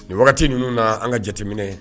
Nin wagati ninnu na an ka jateminɛ